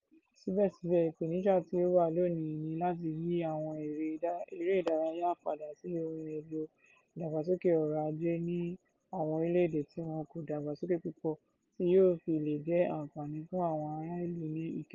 Síbẹ̀síbẹ̀, ìpèníjà tí ó wà lónìí ni láti yí àwọn eré ìdárayá padà sí ohun èlò ìdàgbàsókè ọrọ̀ ajé ní àwọn orílẹ́ èdè tí wọn kò dàgbà sókè púpọ̀ tí yóò fi lè jẹ́ àǹfààní fún àwọn ará ìlú ní ìkẹyìn.